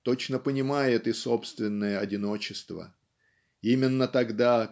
точно понимает и собственное одиночество. Именно тогда